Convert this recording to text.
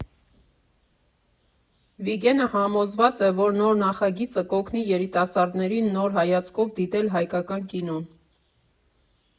Վիգենը համոզված է, որ նախագիծը կօգնի երիտասարդներին նոր հայացքով դիտել հայկական կինոն.